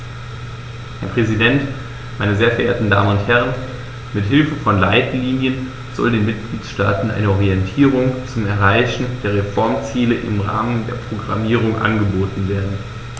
Herr Präsident, meine sehr verehrten Damen und Herren, mit Hilfe von Leitlinien soll den Mitgliedstaaten eine Orientierung zum Erreichen der Reformziele im Rahmen der Programmierung angeboten werden.